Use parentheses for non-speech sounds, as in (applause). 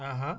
(hesitation) (hesitation)